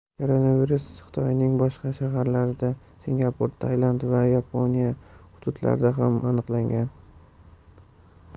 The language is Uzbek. koronavirus xitoyning boshqa shaharlarida singapur tailand va yaponiya hududlarida ham aniqlangan